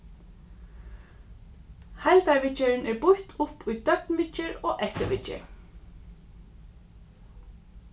heildarviðgerðin er býtt upp í døgnviðgerð og eftirviðgerð